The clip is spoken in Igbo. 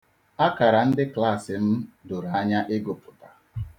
Akara ndị klaasị m doro anya ịgụpụta.